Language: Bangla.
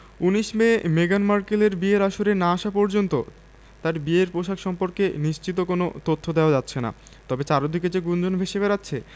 ১৯ মে মেগান মার্কেলের বিয়ের আসরে না আসা পর্যন্ত তাঁর বিয়ের পোশাক সম্পর্কে নিশ্চিত কোনো তথ্য দেওয়া যাচ্ছে না তবে চারদিকে যে গুঞ্জন ভেসে বেড়াচ্ছে